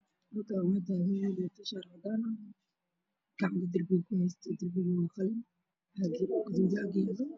Kal kaani waxaa taagan wiil wata shaati gacma dheer ah darbiga gacmaha ku heesta